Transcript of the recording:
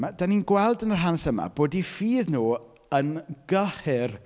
Ma'... dan ni'n gweld yn yr hanes yma bod eu ffydd nhw yn gyhyr.